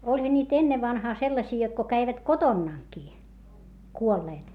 olihan niitä ennen vanhaa sellaisia jotta kun kävivät kotonakin kuolleet